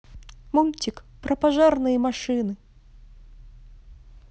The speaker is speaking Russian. мультик про пожарные машины